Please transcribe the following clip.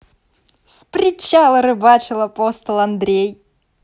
с причала рыбачил апостол андрей